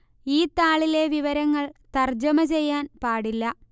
ഈ താളിലെ വിവരങ്ങൾ തർജ്ജമ ചെയ്യാൻ പാടില്ല